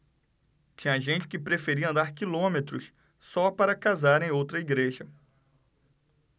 tinha gente que preferia andar quilômetros só para casar em outra igreja